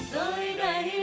rơi